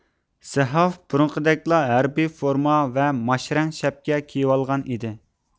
سەھاف بۇرۇنقىدەكلا ھەربىي فورما ۋە ماشرەڭ شەپكە كىيىۋالغان ئىدى